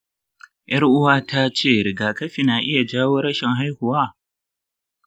yar'uwata ta ce rigakafi na iya jawo rashin haihuwa.